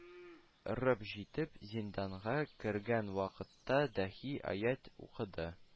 Рып җитеп, зинданга кергән вакытта дәхи аять укыды